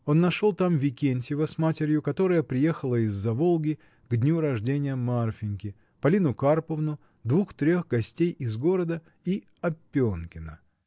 Он нашел там Викентьева с матерью, которая приехала из-за Волги к дню рождения Марфиньки, Полину Карповну, двух-трех гостей из города и — Опенкина.